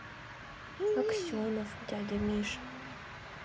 аксенов дядя миша